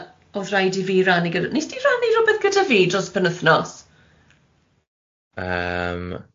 oedd rhaid i fi rannu gyda w- wnes di rannu rywbeth gyda fi dros y penwythnos? Yym.